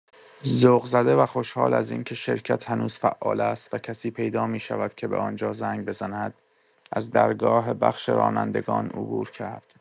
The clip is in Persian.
ذوق‌زده و خوشحال از این‌که شرکت هنوز فعال است و کسی پیدا می‌شود که به آن‌جا زنگ بزند، از درگاه بخش رانندگان عبور کرد.